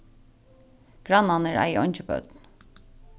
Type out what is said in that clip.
grannarnir eiga eingi børn